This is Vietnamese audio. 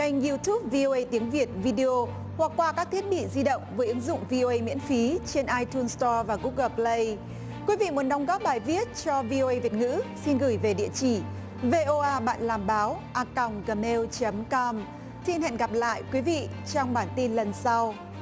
kênh diu túp vi ô ây tiếng việt vi đi ô hoặc qua các thiết bị di động với ứng dụng vi ô ây miễn phí trên ai tun sờ to và gu gồ bờ lây quý vị muốn đóng góp bài viết cho vi ô ây việt ngữ xin gửi về địa chỉ vê ô a bạn làm báo a còng gờ meo chấm com xin hẹn gặp lại quý vị trong bản tin lần sau